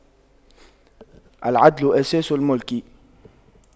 العدل أساس الْمُلْك